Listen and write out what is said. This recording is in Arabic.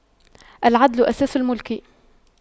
العدل أساس الْمُلْك